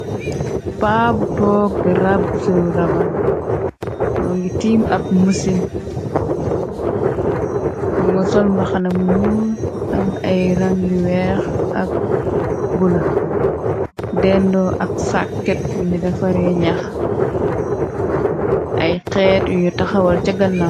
Paa bu toog di rab bu seru rabal, mo ngi tiim ab mësin, mu nga sol mbaxana mu ñuul am ay rang yu weex ak bula, dendoo ak sàkket biñu defare ñax, ay xeet yuñu taxawal ca gannaaw.